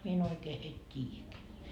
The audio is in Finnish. minä en oikein heitä tiedäkään